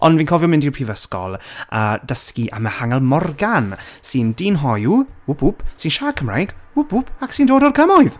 Ond fi'n cofio mynd i'r Prifysgol, a dysgu am Mihangel Morgan, sy'n dyn hoyw whoop whoop, sy'n siarad Cymraeg, whoop whoop, ac sy'n dod o'r cymoedd.